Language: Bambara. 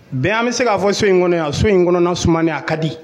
Bɛn an bɛ se'a fɔ so in kɔnɔ yan so in kɔnɔna sumaman a ka di